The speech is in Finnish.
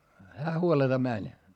hän huoletta meni